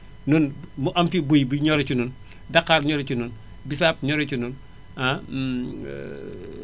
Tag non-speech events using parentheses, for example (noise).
ñun mu am fii buy buy ñoree si ñun daqaar ñoree si ñun bisaab ñoree si ñun ah (hesitation)